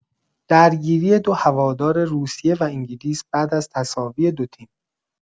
درگیری دو هوادار روسیه و انگلیس بعد از تساوی دو تیم